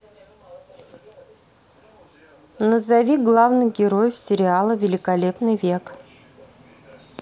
назови главных героев сериала великолепный век